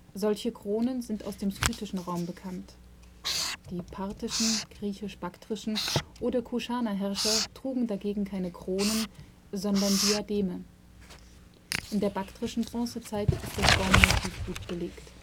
Solche Kronen sind aus dem skythischen Raum bekannt. Die parthischen, griechisch-baktrischen oder Kuschana-Herrscher trugen dagegen keine Kronen, sondern Diademe. In der baktrischen Bronzezeit ist das Baummotiv gut belegt